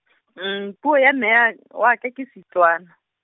puo ya mme ya , wa ka ke Setswana.